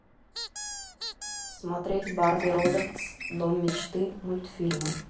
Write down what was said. смотреть барби робертс дом мечты мультфильмы